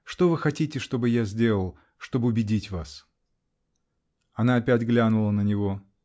-- Что вы хотите, чтобы я сделал. чтоб убедить вас? Она опять глянула на него.